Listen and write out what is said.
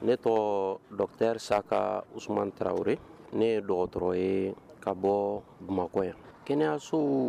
Ne tɔtari sa kauman taraweleo ye ne ye dɔgɔtɔrɔ ye ka bɔ bamakɔkɔ yan kɛnɛya so